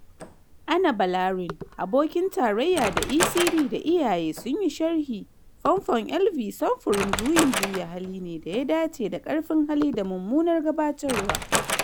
Ana Balarin, abokin tarayya da ECD da iyaye sunyi sharhi: “Famfon Elvie samfurin juyin juya hali ne da ya dace da karfin hali da mummunar gabatarwa.